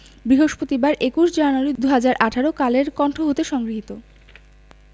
বৃহস্পতিবার ২১ জানুয়ারি ২০১৮ কালের কন্ঠ হতে সংগৃহীত